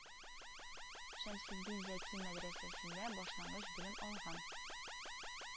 Шәмсетдин Зәки мәдрәсәсендә башлангыч белем алган